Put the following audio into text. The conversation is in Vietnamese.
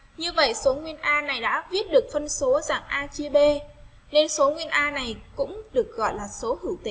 như vậy số nguyên a này đã viết được phân số dạng a b dân số nguyên a này cũng được gọi là số hữu tỉ